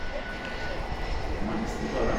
Det må jeg nesten prøve.